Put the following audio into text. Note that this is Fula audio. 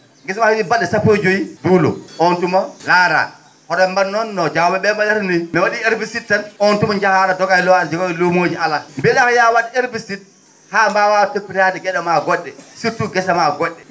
gesa mba yahii bal?e sappo e joyi nduulo oon tuma laaraa hoto mbat noon no Diaw?e ?e mba?ata ni mi wa?i herbicide tan on tuma njahaa a?a doga lom a?a diiwa e luumooji alaa mbiye?aa ko wat herbicide haa mbawaa toppitaade ge?e ma go??e surtout gese maa go??e